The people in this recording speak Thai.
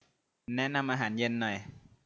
แนะนำอาหารเย็นหน่อย